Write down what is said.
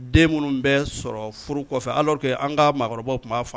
Den minnu bɛ sɔrɔ furu kɔfɛ an kakɔrɔba tun'a faga